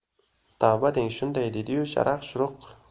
tavba deng shunday dediyu sharaq